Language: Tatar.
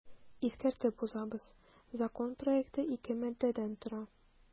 Искәртеп узабыз, закон проекты ике маддәдән тора.